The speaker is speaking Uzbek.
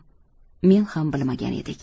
men ham bilmagan edik